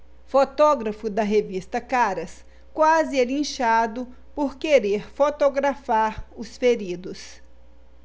fotógrafo da revista caras quase é linchado por querer fotografar os feridos